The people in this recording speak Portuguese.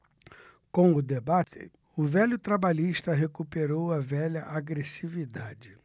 com o debate o velho trabalhista recuperou a velha agressividade